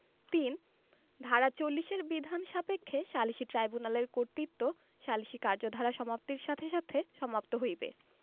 ৩ ধারা ৪০ এর বিধান সাপেক্ষে সালিসী ট্রাইব্যুনালের কর্তৃত্ব সালিসী কার্যধারা সমাপ্তির সাথে সাথে সমাপ্ত হইবে